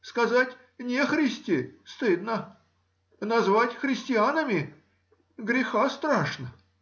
Сказать: нехристи — стыдно, назвать христианами — греха страшно.